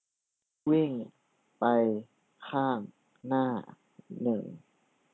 วิ่งไปข้างหน้าหนึ่ง